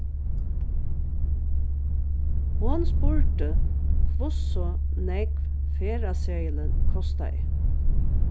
hon spurdi hvussu nógv ferðaseðilin kostaði